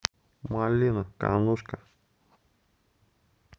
милана канушка